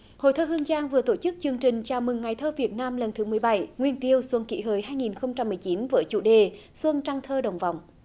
hội thơ hương giang vừa tổ chức chương trình chào mừng ngày thơ việt nam lần thứ mười bảy nguyên tiêu xuân kỷ hợi hai nghìn không trăm mười chín với chủ đề xuân trăng thơ đồng vọng